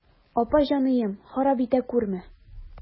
Апа җаныем, харап итә күрмә.